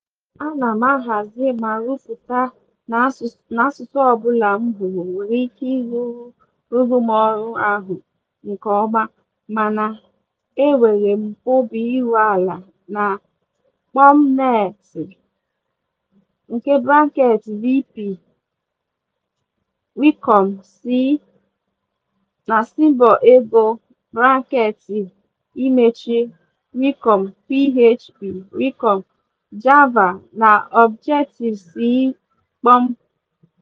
Ana m ahazi ma rụpụta n'asụsụ ọbụla m hụrụ nwere ike ịrụrụ m ọrụ ahụ nke ọma mana enwere m obi iru ala na .NET (VB, C#), PHP, java na Objective C.